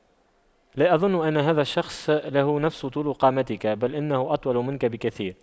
لا أظن أن هذا الشخص له نفس طول قامتك بل إنه أطول منك بكثير